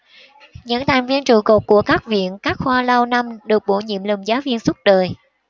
những thành viên trụ cột của các viện các khoa lâu năm được bổ nhiệm làm giáo viên suốt đời